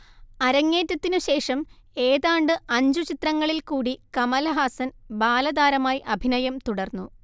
അരങ്ങേറ്റത്തിനു ശേഷം ഏതാണ്ട് അഞ്ചു ചിത്രങ്ങളിൽകൂടി കമലഹാസൻ ബാലതാരമായി അഭിനയം തുടർന്നു